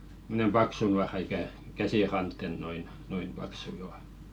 semmoinen paksu nuora ikään käsiranteen noin noin paksu jo